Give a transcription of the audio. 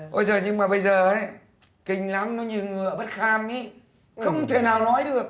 ôi giời nhưng mà bây giờ ý kinh lắm nó như ngựa bất kham ý không thể nào nói được